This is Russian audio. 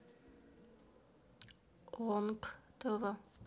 онг тв